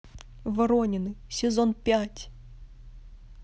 воронины сезон пять